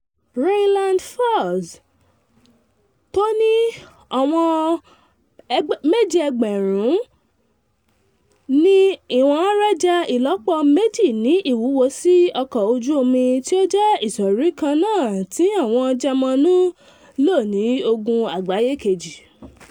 "Rheinland-Pfalz" tó ní ìwọ̀n 7,000-ton ní ìwọ́n rẹ̀ jẹ́ ìlọ́po méjì ní ìwúwo sí ọkọ̀ ojú omi tí ó jẹ́ ìsọ̀rí kannáà tí àwọn Jámànù lò ní Ogun Àgbáyé Kejì..